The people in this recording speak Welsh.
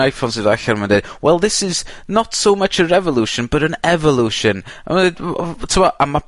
Iphone sy do' allan ma' nw'n deud well this is not so much a revolution but an evolution, a ma' nw'n deud m- o t'mo'? A ma'